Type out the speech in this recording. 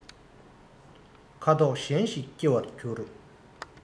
ཁ དོག གཞན ཞིག སྐྱེ བར འགྱུར